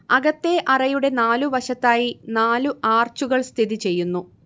അകത്തേ അറയുടെ നാലു വശത്തായി നാലു ആർച്ചുകൾ സ്ഥിതി ചെയ്യുന്നു